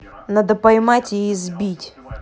надо поймать и избить